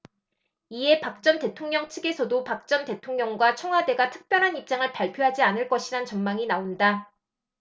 이에 박 전 대통령 측에서도 박 전 대통령과 청와대가 특별한 입장을 발표하지 않을 것이란 전망이 나온다